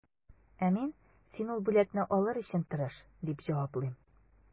Ә мин, син ул бүләкне алыр өчен тырыш, дип җаваплыйм.